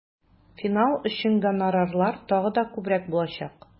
Финал өчен гонорарлар тагын да күбрәк булачак.